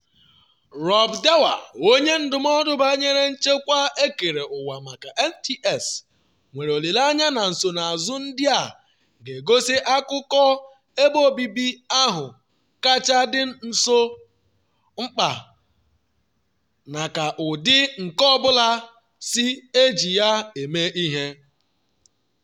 Rob Dewar, onye ndụmọdụ banyere nchekwa ekereụwa maka NTS, nwere olile anya na nsonazụ ndị a ga-egosi akụkụ ebe obibi ahụ kacha dị ụsụ mkpa na ka ụdị nke ọ bụla si eji ya eme ihe.